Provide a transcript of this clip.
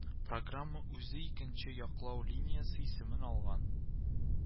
Программа үзе Икенче яклау линиясе исемен алган